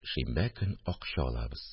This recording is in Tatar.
Шимбә көн акча алабыз